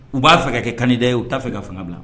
U b'a fɛ ka kɛ kan da ye u t'a fɛ ka fanga bila